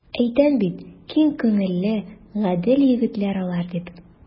Әйтәм бит, киң күңелле, гадел егетләр алар, дип.